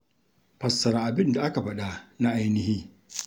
Fassara Abin da aka faɗa na ainihi